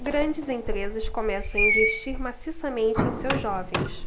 grandes empresas começam a investir maciçamente em seus jovens